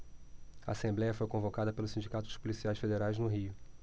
a assembléia foi convocada pelo sindicato dos policiais federais no rio